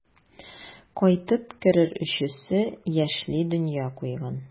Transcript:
Кайтып керер өчесе яшьли дөнья куйган.